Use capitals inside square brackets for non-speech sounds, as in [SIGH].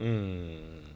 [HESITATION] [HESITATION]